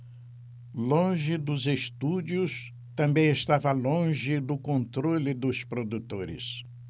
longe dos estúdios também estava longe do controle dos produtores